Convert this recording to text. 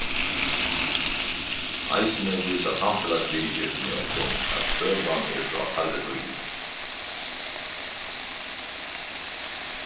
eisini vísa samfelagsviðurskiftini okkum at søgan er frá teirri tíðini